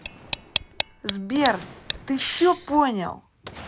сбер ты все понял